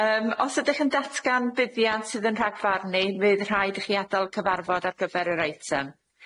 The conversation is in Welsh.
Yym os ydych yn datgan buddiad sydd yn rhagfarnu fydd rhaid i chi adal cyfarfod ar gyfer yr eitem.